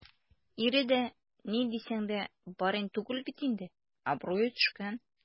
Ире дә, ни дисәң дә, барин түгел бит инде - абруе төшкән.